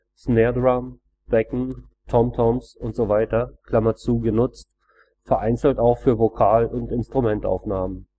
Snare Drum, Becken, Tom Toms, usw.) genutzt, vereinzelt auch für Vocal - oder Instrument-Aufnahmen